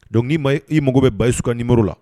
Dɔn i mago bɛ bayi sugan nimo la